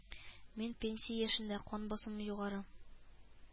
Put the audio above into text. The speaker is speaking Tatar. Мин пенсия яшендә, кан басымым югары